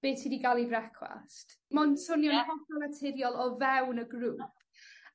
be ti 'di ga'l i brecwast. Ma'n swnio'n hollol naturiol o fewn y grŵp